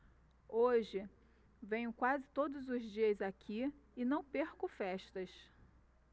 hoje venho quase todos os dias aqui e não perco festas